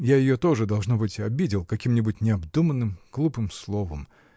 Я ее тоже, должно быть, обидел каким-нибудь необдуманным, глупым словом.